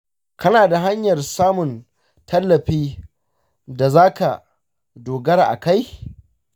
kana da hanyar samun tallafi da za ka dogara a kai?